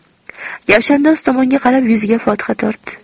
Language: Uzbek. kavshandoz tomonga qarab yuziga fotiha tortdi